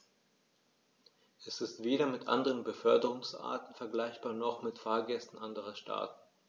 Er ist weder mit anderen Beförderungsarten vergleichbar, noch mit Fahrgästen anderer Staaten.